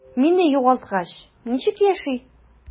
Мине югалткач, ничек яши?